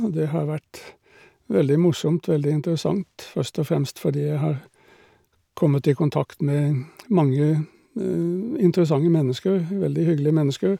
Og det har vært veldig morsomt, veldig interessant, først og fremst fordi jeg har kommet i kontakt med mange interessante mennesker, veldig hyggelige mennesker.